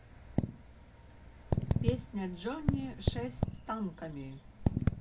песня johnny шесть танками